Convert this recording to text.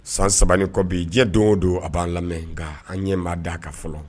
San saba kɔbi jɛ don o don a b'an lamɛn nka an ɲɛ'a d a kan fɔlɔ